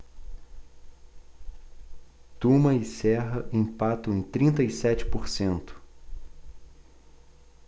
tuma e serra empatam em trinta e sete por cento